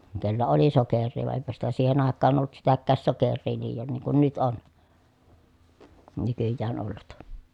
kenellä oli sokeria vaan eipä sitä siihen aikaan ollut sitäkään sokeria liioin niin kuin nyt on nykyään ollut